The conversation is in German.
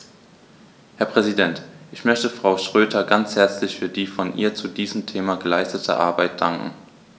Herr Präsident, ich möchte Frau Schroedter ganz herzlich für die von ihr zu diesem Thema geleistete Arbeit danken.